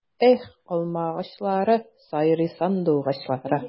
Эх, алмагачлары, сайрый сандугачлары!